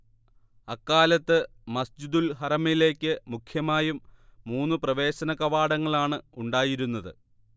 അക്കാലത്തു മസ്ജിദുൽ ഹറമിലേക്ക് മുഖ്യമായും മൂന്നു പ്രവേശന കവാടങ്ങളാണ് ഉണ്ടായിരുന്നത്